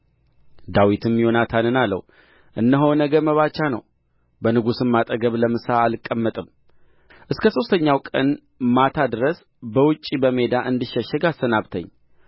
ዳዊትም ዮናታንን አለው እነሆ ነገ መባቻ ነው በንጉሥም አጠገብ ለምሳ አልቀመጥም እስከ ሦስተኛው ቀን ማታ ድረስ በውጭ በሜዳ እንድሸሸግ አሰናብተኝ